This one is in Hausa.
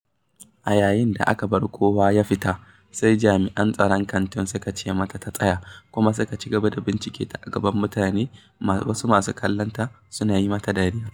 A yayin da aka bar kowa ya fita, sai jami'an tsaron kantin suka ce mata ta tsaya kuma suka cigaba da bincike ta a gaban mutane wasu masu kallo suna yi mata dariya.